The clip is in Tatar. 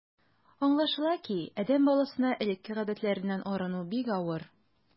Аңлашыла ки, адәм баласына элекке гадәтләреннән арыну бик авыр.